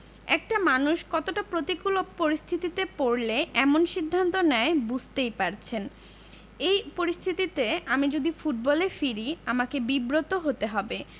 একটা মানুষ কতটা প্রতিকূল পরিস্থিতিতে পড়লে এমন সিদ্ধান্ত নেয় বুঝতেই পারছেন এই পরিস্থিতিতে আমি যদি ফুটবলে ফিরি আমাকে বিব্রত হতে হবে